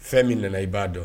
Fɛn min nana i b'a dɔn